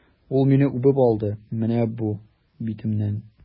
Ул мине үбеп алды, менә бу битемнән!